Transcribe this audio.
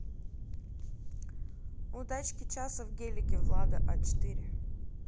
удачки часа в гелике влада а четыре